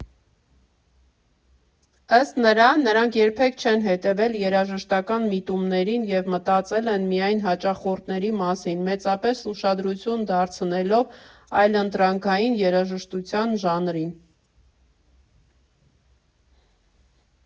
Ըստ նրա՝ նրանք երբեք չեն հետևել երաժշտական միտումներին և մտածել են միայն հաճախորդների մասին՝ մեծապես ուշադրություն դարձնելով այլընտրանքային երաժշտության ժանրին։